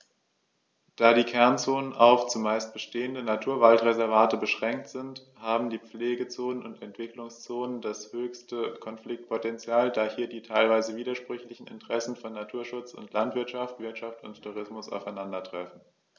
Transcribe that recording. Da die Kernzonen auf – zumeist bestehende – Naturwaldreservate beschränkt sind, haben die Pflegezonen und Entwicklungszonen das höchste Konfliktpotential, da hier die teilweise widersprüchlichen Interessen von Naturschutz und Landwirtschaft, Wirtschaft und Tourismus aufeinandertreffen.